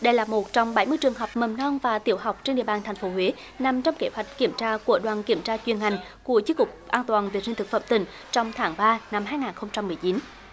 đây là một trong bảy mươi trường học mầm non và tiểu học trên địa bàn thành phố huế nằm trong kế hoạch kiểm tra của đoàn kiểm tra chuyên ngành của chi cục an toàn vệ sinh thực phẩm tỉnh trong tháng ba năm hai ngàn không trăm mười chín